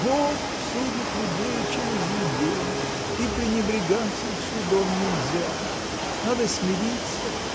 — Бог судит людей через людей — и пренебрегать их судом нельзя! Надо смириться!